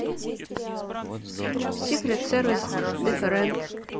сикрет сервис деферент